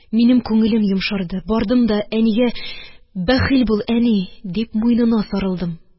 Минем күңелем йомшарды, бардым да әнигә: – Бәхил бул, әни, – дип, муенына сарылдым